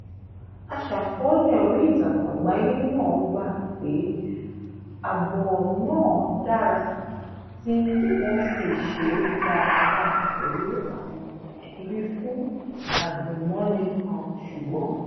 Aṣàkọọ́lẹ̀ oríìtakùn àgbáyé náà gbà pé àbọ̀ náà dára tí wọ́n sì ṣe é dáadáa pẹ̀lú àwọn ìwífún adùnmọ́ni kan, ṣùgbọ́n...